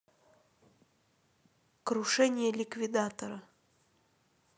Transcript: крушение ликвидатора